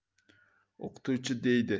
o'qituvchi deydi